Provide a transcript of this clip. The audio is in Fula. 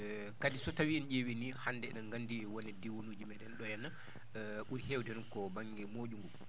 kadi so tawii en ƴeewii nii hannde eɗen nganndi wone diwaanuuji meeɗen ɗoo henna ɓuri heewde ko baŋnge moƴƴu ngu